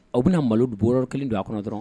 U bɛna malo b kelen don a kɔnɔ dɔrɔn